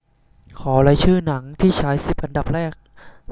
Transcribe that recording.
ขอรายชื่อหนังที่ฉายสิบอันดับแรก